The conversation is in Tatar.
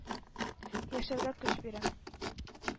Яшәргә көч бирә.